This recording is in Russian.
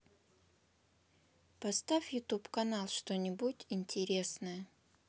поставь ютуб канал что нибудь интересное